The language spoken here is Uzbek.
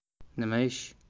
nima ish